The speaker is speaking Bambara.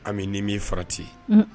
A bɛ ni min farati ye